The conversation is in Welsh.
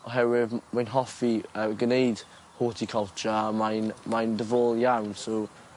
Oherwydd m- rwy'n hoffi yr gneud horticulture mae'n mae'n diddorol iawn so